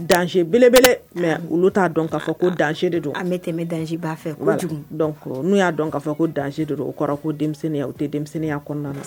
Dan belebele olu t'a dɔn' ko dan de don an bɛ tɛmɛ danba fɛ n'u y'a dɔn'a ko dan don o kɔrɔ ko denmisɛnninya o tɛ denmisɛnninya kɔnɔna